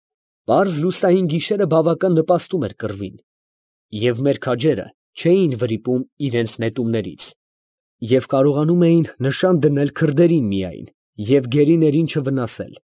Պարզ֊լուսնային գիշերը բավական նպաստում էր կռվին, և մեր քաջերը չէին վրիպում իրանց նետումներից և կարողանում էին նշան դնել քրդերին միայն և գերիներին չվնասել։